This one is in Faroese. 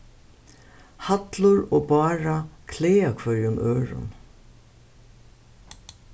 hallur og bára klæða hvørjum øðrum